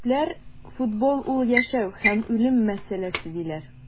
Күпләр футбол - ул яшәү һәм үлем мәсьәләсе, диләр.